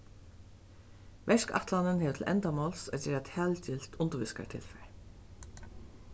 verkætlanin hevur til endamáls at gera talgilt undirvísingartilfar